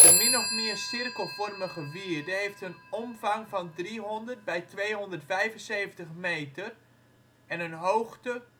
min of meer cirkelvormige wierde heeft een omvang van 300 bij 275 meter en een hoogte